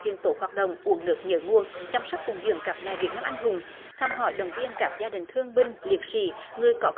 hiện tốt hoạt động uống nước nhớ nguồn chăm sóc phụng dưỡng các mẹ việt nam anh hùng thăm hỏi động viên các gia đình thương binh liệt sỹ người có